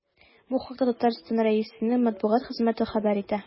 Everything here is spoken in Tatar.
Бу хакта Татарстан Рәисенең матбугат хезмәте хәбәр итә.